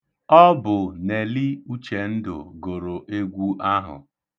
Ọ bụ Neli Uchendụ gụrụ egwu ahụ.